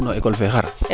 xar nu ñaku no ecole fee xar